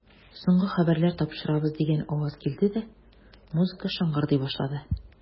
Соңгы хәбәрләр тапшырабыз, дигән аваз килде дә, музыка шыңгырдый башлады.